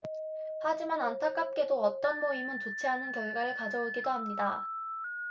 하지만 안타깝게도 어떤 모임은 좋지 않은 결과를 가져오기도 합니다